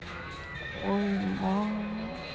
ой ма